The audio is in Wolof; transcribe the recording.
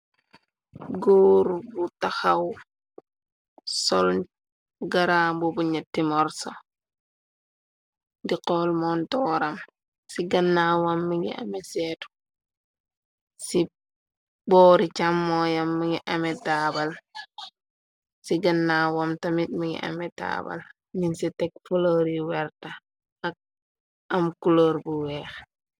Góor bu taxaw sol garaambu bu ñetti morso di xol montooram ci gannawam mingi ame seetu ci boori càmmoyam ci ganna wam tamit mi ngi ame taabal nin ci tek flori werta ak am culër bu weex.